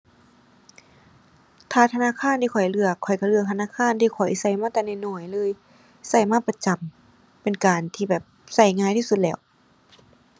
ถ้าธนาคารที่ข้อยเลือก ข้อยก็เลือกธนาคารที่ข้อยก็มาแต่น้อยน้อยเลย ก็มาประจำ เป็นการที่แบบ ก็ง่ายที่สุดแล้ว